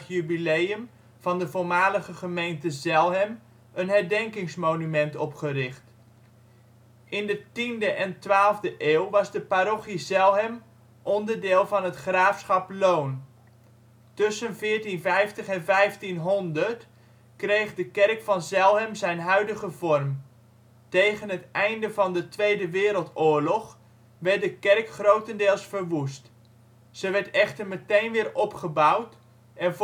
jubileum van de voormalige gemeente Zelhem een herdenkingsmonument opgericht. In de 10e en 12e eeuw was de parochie Zelhem onderdeel van het Graafschap Lohn.. Tussen 1450 en 1500 kreeg de kerk van Zelhem zijn huidige vorm. Tegen het einde van de Tweede Wereldoorlog werd de kerk grotendeels verwoest. Ze werd echter meteen weer opgebouwd en